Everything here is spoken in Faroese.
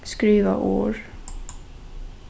skriva orð